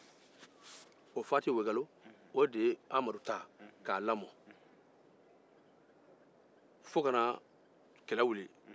o fati woyigalo de ye amadu ta k'a lamo fo ka na kele wuli